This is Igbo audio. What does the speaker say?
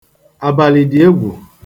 àbàlị̀dị̀egwù